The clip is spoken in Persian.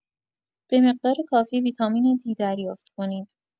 به مقدار کافی ویتامین D دریافت کنید.